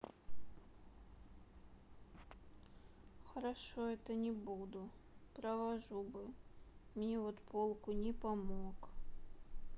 хорошо это не буду провожу бы мне вот полку не помог